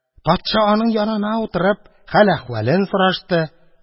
Патша, аның янына утырып, хәл-әхвәлен сорашты.